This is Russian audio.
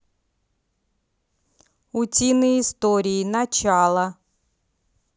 утиные истории начало